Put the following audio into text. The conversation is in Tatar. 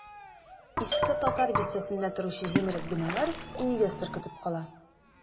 Иске татар бистәсендә торучы җимерек биналар инвестор көтеп кала.